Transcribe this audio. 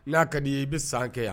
Na ka di i ye i bɛ san kɛ yan.